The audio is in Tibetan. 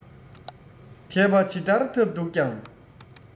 མཁས པ ཇི ལྟར ཐབས རྡུགས ཀྱང